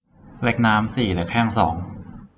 เล็กน้ำสี่เล็กแห้งสอง